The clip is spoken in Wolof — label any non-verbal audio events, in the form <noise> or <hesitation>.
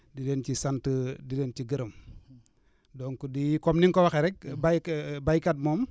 di leen ci sant di leen ci gërëm donc di comme ni nga ko waxee rek béy <hesitation> béykat moom